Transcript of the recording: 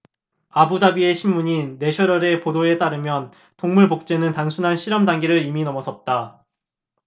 아부다비의 신문인 내셔널 의 보도에 따르면 동물 복제는 단순한 실험 단계를 이미 넘어섰다